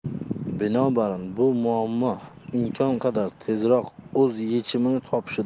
binobarin bu muammo imkon qadar tezroq o'z yechimini topishi darkor